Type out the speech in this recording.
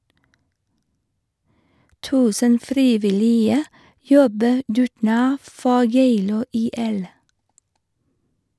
1000 frivillige jobber dugnad for Geilo IL.